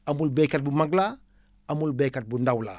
amul béykat bu mag laa amul béykat bu ndaw laa